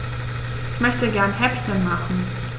Ich möchte gerne Häppchen machen.